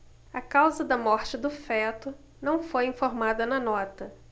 a causa da morte do feto não foi informada na nota